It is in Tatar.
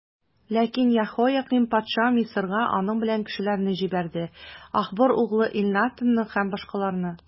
Ләкин Яһоякыйм патша Мисырга аның белән кешеләрне җибәрде: Ахбор углы Элнатанны һәм башкаларны.